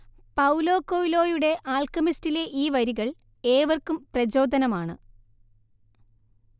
Paulo കൊയ്ലോയുടെ ആൽക്കെമിസ്റ്റിലെ ഈ വരികൾ ഏവർക്കും പ്രചോദനമാണ്